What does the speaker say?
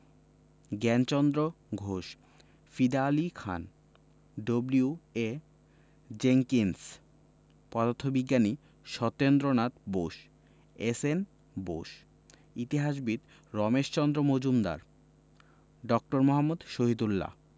Gyanchandra Ghosh Fida Ali Khan W A Jenkins পদার্থবিজ্ঞানী Satyendranath Bose S N Bose ইতিহাসবিদ রমেশচন্দ্র মজুমদার ড. মুহাম্মদ শহীদুল্লাহ